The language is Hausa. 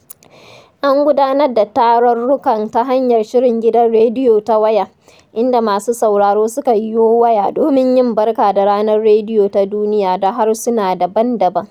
An gudanar da tararrukan ta hanyar shirin gidan rediyo ta waya, inda masu sauraro suka yiwo waya domin yi 'barka da Ranar Rediyo Ta Duniya'' da harsuna daban-daban.